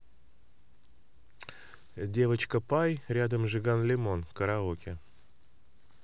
девочка пай рядом жиган лимон караоке